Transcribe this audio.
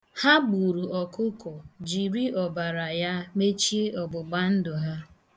Ha gburu ọkụkọ jiri ọbara ya mechie ọgbụgbandụ ha.